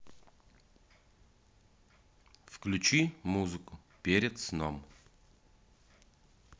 включи музыку перед сном